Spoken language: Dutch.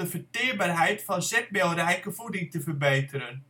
verteerbaarheid van zetmeelrijke voeding te verbeteren